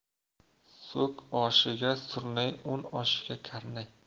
so'k oshiga surnay un oshiga karnay